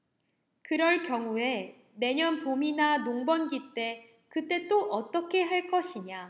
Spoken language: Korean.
그럴 경우에 내년 봄이나 농번기 때 그때 또 어떻게 할 것이냐